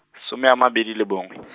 some a mabedi le bongwe.